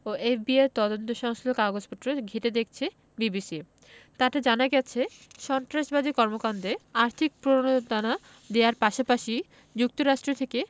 ও এফবিআইয়ের তদন্ত সংশ্লিষ্ট কাগজপত্র ঘেঁটে দেখেছে বিবিসি তাতে জানা গেছে সন্ত্রাসবাদী কর্মকাণ্ডে আর্থিক প্রণোদনা দেওয়ার পাশাপাশি যুক্তরাষ্ট্র থেকে